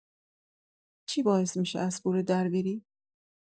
چی باعث می‌شه از کوره دربری؟